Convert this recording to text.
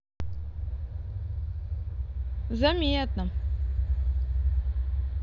заметно